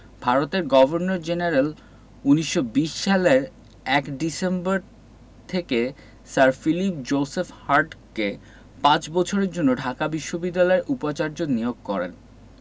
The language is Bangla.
ভারতের গভর্নর জেনারেল ১৯২০ সালের ১ ডিসেম্বর থেকে স্যার ফিলিপ জোসেফ হার্টগকে পাঁচ বছরের জন্য ঢাকা বিশ্ববিদ্যালয়ের উপাচার্য নিয়োগ করেন